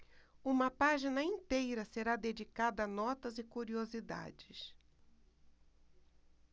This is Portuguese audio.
uma página inteira será dedicada a notas e curiosidades